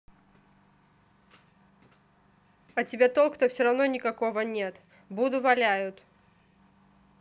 от тебя толку то все равно никого нет буду валяют